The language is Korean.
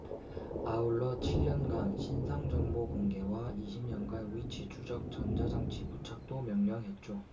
아울러 칠 년간 신상정보 공개와 이십 년간 위치추적 전자장치 부착도 명령했죠